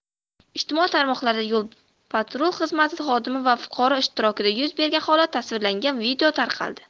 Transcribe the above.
ijtimoiy tarmoqlarda yol patrul xizmati xodimi va fuqaro ishtirokida yuz bergan holat tasvirlangan video tarqaldi